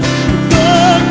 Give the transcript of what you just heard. giấc